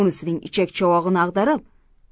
unisining ichak chavog'ini ag'darib